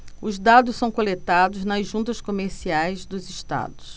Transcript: os dados são coletados nas juntas comerciais dos estados